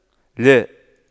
لا